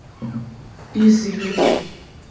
из игры